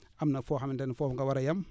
am na foo xamante ni foofu nga war a yem